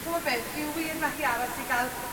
Ch'mo' beth fi wir methu aros i ga'l